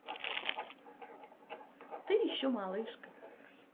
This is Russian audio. ты еще малышка